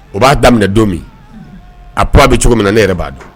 U b'a daminɛ don min aura bɛ cogo min na ne yɛrɛ b'a don